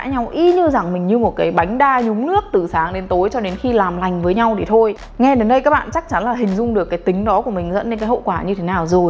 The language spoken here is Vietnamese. y như rằng mình như một cái bánh đa nhúng nước từ sáng đến tối cho đến khi làm lành với nhau thì thôi nghe đến đây các bạn chắc chắn là hình dung ra cái tính đó của mình dẫn đến hậu quả như thế nào rồi